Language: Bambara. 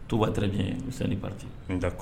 Tout va bien au sein du parti . Un! d'accord .